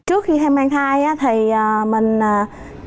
trước khi mang thai á thì mình là